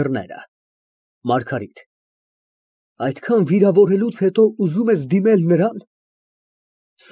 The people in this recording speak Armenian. ՄԱՐԳԱՐԻՏ ֊ Այդքան վիրավորելուց հետո ուզում ես դիմել նրա՞ն։